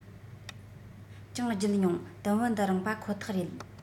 ཀྱང བརྒྱུད མྱོང དུམ བུ འདི རང པ ཁོ ཐག རེད